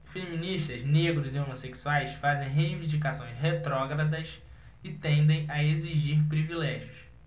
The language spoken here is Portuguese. feministas negros e homossexuais fazem reivindicações retrógradas e tendem a exigir privilégios